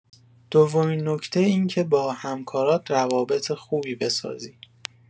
دومین نکته اینه که با همکارات روابط خوبی بسازی.